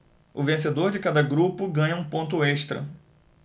o vencedor de cada grupo ganha um ponto extra